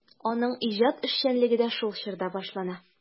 Аның иҗат эшчәнлеге дә шул чорда башлана.